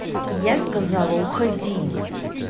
а я сказала уходи